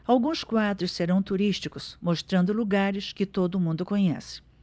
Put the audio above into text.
alguns quadros serão turísticos mostrando lugares que todo mundo conhece